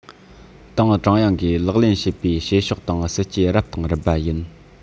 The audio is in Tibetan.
ཏང ཀྲུང དབྱང གིས ལག ལེན བྱས པའི བྱེད ཕྱོགས དང སྲིད ཇུས རབ དང རིམ པ ཡིན